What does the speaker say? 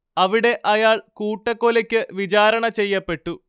അവിടെ അയാൾ കൂട്ടക്കൊലയ്ക്ക് വിചാരണ ചെയ്യപ്പെട്ടു